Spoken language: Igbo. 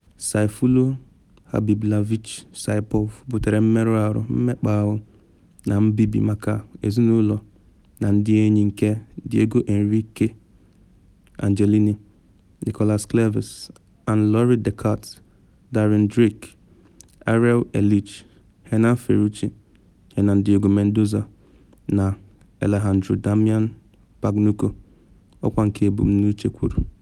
"Sayfullo Habibullaevic Saipov butere mmerụ ahụ, mmekpa ahụ, na mbibi maka ezinụlọ na ndị enyi nke Diego Enrique Angelini, Nicholas Cleves, Ann-Laure Decadt, Darren Drake, Ariel Erlij, Hernan Ferruchi, Hernan Diego Mendoza, na Alejandro Damian Pagnucco," ọkwa nke ebumnuche kwuru.